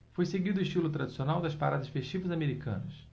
foi seguido o estilo tradicional das paradas festivas americanas